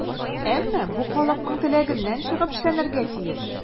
Әмма бу халыкның теләгеннән чыгып эшләнергә тиеш.